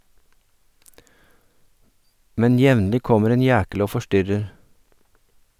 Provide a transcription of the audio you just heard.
Men jevnlig kommer en jækel og forstyrrer.